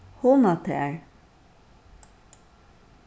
hugna tær